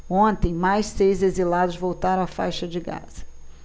ontem mais seis exilados voltaram à faixa de gaza